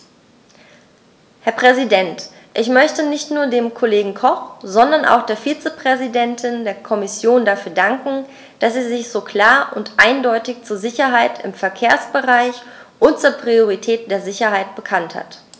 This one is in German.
Herr Präsident, ich möchte nicht nur dem Kollegen Koch, sondern auch der Vizepräsidentin der Kommission dafür danken, dass sie sich so klar und eindeutig zur Sicherheit im Verkehrsbereich und zur Priorität der Sicherheit bekannt hat.